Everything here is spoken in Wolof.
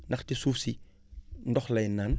ndaxte suuf si ndox lay naan